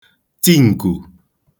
ti ǹkù